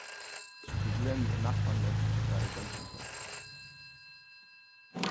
so problemið er næstan loyst greiðir bóndin frá